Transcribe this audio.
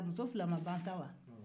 a muso fila ma ban sa wa